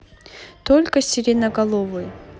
только сиреноголовый